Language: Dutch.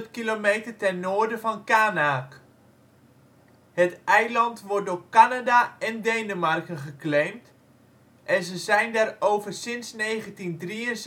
kilometer ten noorden van Qaanaaq. Het eiland wordt door Canada en Denemarken geclaimd en ze zijn daarover sinds 1973 in